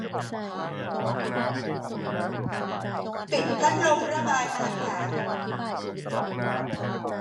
ปิดพัดลมระบายอากาศ